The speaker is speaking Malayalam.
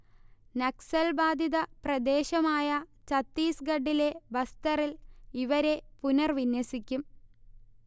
നക്സൽബാധിത പ്രദേശമായ ഛത്തീസ്ഗഢിലെ ബസ്തറിൽ ഇവരെ പുനർവിന്യസിക്കും